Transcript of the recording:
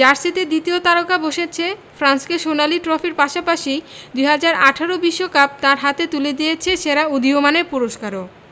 জার্সিতে দ্বিতীয় তারকা বসেছে ফ্রান্সকে সোনালি ট্রফিটার পাশাপাশি ২০১৮ বিশ্বকাপ তাঁর হাতে তুলে দিয়েছে সেরা উদীয়মানের পুরস্কারও